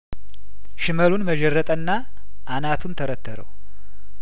ሽመሉን መዠረጠና አናቱን ተረተረው